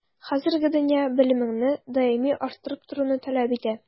Хәзерге дөнья белемеңне даими арттырып торуны таләп итә.